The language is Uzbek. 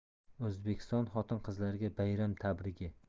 o'zbekiston xotin qizlariga bayram tabrigi